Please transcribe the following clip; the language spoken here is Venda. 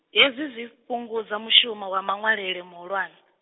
hezwi zwi fhungudza mushumo wa muṅwaleli muhulwane.